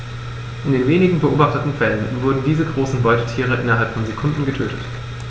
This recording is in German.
In den wenigen beobachteten Fällen wurden diese großen Beutetiere innerhalb von Sekunden getötet.